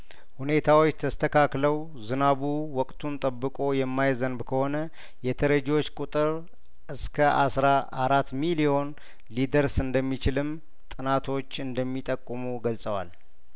ሁኔታዎች ተስተካክ ለው ዝናቡ ወቅቱን ጠብቆ የማይዘንብ ከሆነ የተረጂዎች ቁጥር እስከአስራ አራት ሚሊዮን ሊደርስ እንደሚችልም ጥናቶች እንደሚጠቁሙ ገልጸዋል